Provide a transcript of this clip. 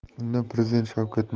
unda prezident shavkat